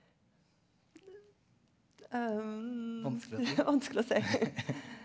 vanskelig å si .